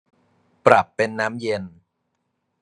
ปรับเป็นน้ำเย็น